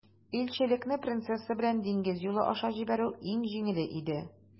Илчелекне принцесса белән диңгез юлы аша җибәрү иң җиңеле иде.